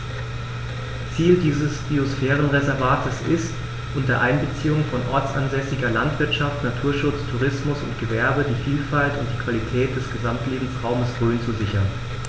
Ziel dieses Biosphärenreservates ist, unter Einbeziehung von ortsansässiger Landwirtschaft, Naturschutz, Tourismus und Gewerbe die Vielfalt und die Qualität des Gesamtlebensraumes Rhön zu sichern.